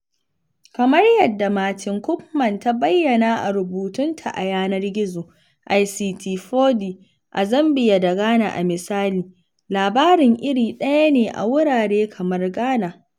Kamar yadda Martine Koopman ta bayyana a rubutunta a yanar gizo ICT4D a Zambia da Ghana a misali, labarin iri ɗaya ne a wurare kamar Ghana.